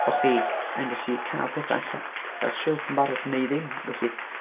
..Bo' chi yn gallu cael petha ella o'r silff yn barod neu ddim felly...